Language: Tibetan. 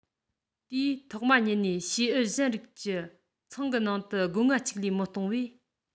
དེས ཐོག མ ཉིད ནས བྱེའུ གཞན རིགས ཀྱི ཚང གི ནང དུ སྒོ ང གཅིག ལས མི གཏོང བས